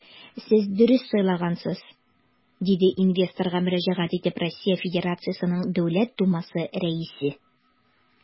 Сез дөрес сайлагансыз, - диде инвесторга мөрәҗәгать итеп РФ Дәүләт Думасы Рәисе.